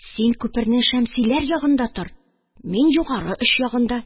Син күпернең Шәмсиләр ягында тор, мин югары оч ягында.